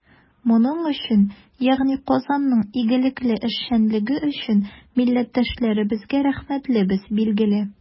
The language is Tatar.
Моның өчен, ягъни Казанның игелекле эшчәнлеге өчен, милләттәшләребезгә рәхмәтлебез, билгеле.